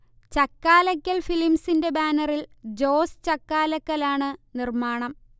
ചക്കാലക്കൽ ഫിലിമ്സിൻെറ ബാനറിൽ ജോസ് ചക്കാലക്കലാണ് നിർമ്മാണം